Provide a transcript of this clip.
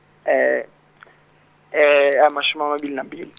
amashumi amabili nambili.